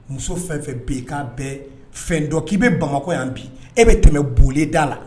Muso fɛn fɛn bɛ bɛɛ fɛn dɔn k'i bɛ bamakɔ yan bi e bɛ tɛmɛ bolida la